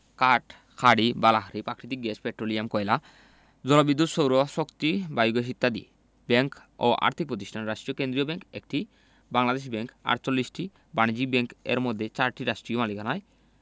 কাঠ খড়ি বা লাকড়ি প্রাকৃতিক গ্যাস পেট্রোলিয়াম কয়লা জলবিদ্যুৎ সৌরশক্তি বায়োগ্যাস ইত্যাদি ব্যাংক ও আর্থিক প্রতিষ্ঠানঃ রাষ্ট্রীয় কেন্দ্রীয় ব্যাংক ১টি বাংলাদেশ ব্যাংক ৪৮টি বাণিজ্যিক ব্যাংক এর মধ্যে ৪টি রাষ্ট্রীয় মালিকানায়